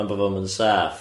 Am bo' bo'n saff.